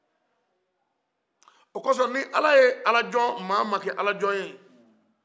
o kosɔ ni ala ye maa o maa kɛ alajɔn ye